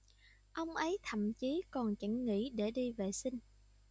ông ấy thậm chí còn chẳng nghỉ để đi vệ sinh